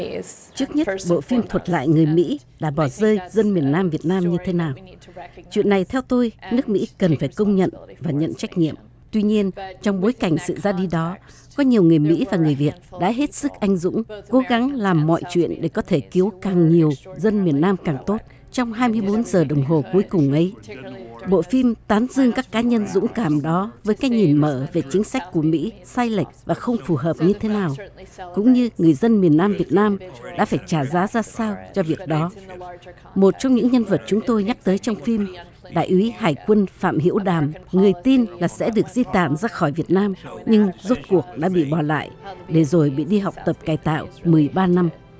trước nhất bộ phim thuật lại người mỹ là bỏ rơi dân miền nam việt nam như thế nào chuyện này theo tôi nước mỹ cần phải công nhận và nhận trách nhiệm tuy nhiên trong bối cảnh sự ra đi đó có nhiều người mỹ và người việt đã hết sức anh dũng cố gắng làm mọi chuyện để có thể cứu càng nhiều dân miền nam càng tốt trong hai bốn giờ đồng hồ cuối cùng ấy bộ phim tán dương các cá nhân dũng cảm đó với cái nhìn mở về chính sách của mỹ sai lệch và không phù hợp như thế nào cũng như người dân miền nam việt nam đã phải trả giá ra sao cho việc đó một trong những nhân vật chúng tôi nhắc tới trong phim đại úy hải quân phạm hữu đàm người tin là sẽ được di tản ra khỏi việt nam nhưng rốt cuộc đã bị bỏ lại để rồi bị đi học tập cải tạo mười ba năm